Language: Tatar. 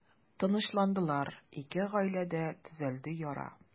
Тынычландылар, ике гаиләдә төзәлде яра.